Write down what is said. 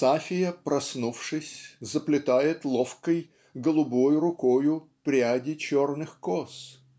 Сафия, проснувшись, заплетает ловкой Голубой рукою пряди черных кос.